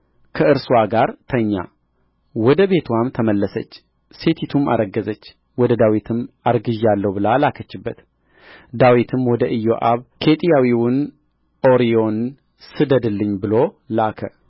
ከእርስዋ ጋር ተኛ ወደ ቤትዋም ተመለሰች ሴቲቱም አረገዘች ወደ ዳዊትም አርግዤአለሁ ብላ ላከችበት ዳዊትም ወደ ኢዮአብ ኬጢያዊውን ኦርዮን ስደድልኝ ብሎ ላከ